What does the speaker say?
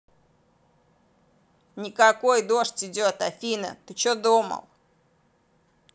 никакой дождь идет афина ты че думал